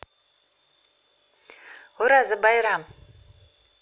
ураза байрам